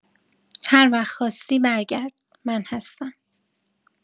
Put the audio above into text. هر وقت خواستی برگرد من هستم